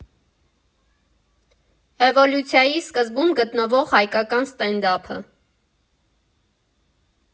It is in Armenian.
Էվոլյուցիայի սկզբում գտնվող հայկական սթենդափը։